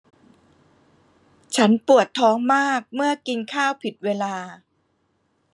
ฉันปวดท้องมากเมื่อกินข้าวผิดเวลา